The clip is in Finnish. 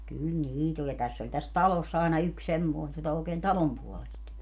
kyllä niitä oli ja tässä oli tässä talossa aina yksi semmoinen silloin oikein talon puolesta